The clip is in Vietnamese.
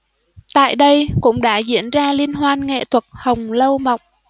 tại đây cũng đã diễn ra liên hoan nghệ thuật hồng lâu mộng